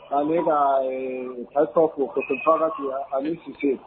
Ale ka asafa yan ani sise